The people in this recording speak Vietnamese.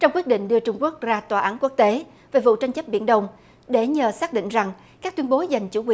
trong quyết định đưa trung quốc ra tòa án quốc tế về vụ tranh chấp biển đông để nhờ xác định rằng các tuyên bố giành chủ